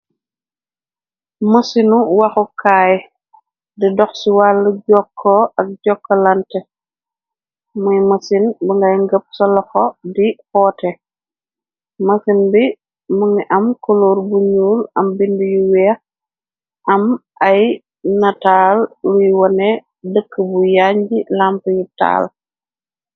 Masinu waxukaay di dox ci wàllo jokkoo ak jokkolante muy masin bu ngay ngëp ca loxo di óóte. Masin bi mu ngi am kulor bu ñuul am bindi yu wèèx am ay natal luy waneh dekka bu yàñji lampú yu tahal.